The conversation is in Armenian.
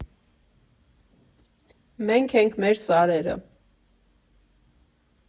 Մենք ենք, մեր սարերը։